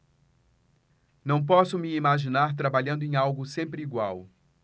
não posso me imaginar trabalhando em algo sempre igual